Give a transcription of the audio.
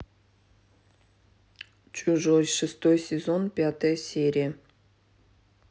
чужой шестой сезон пятая серия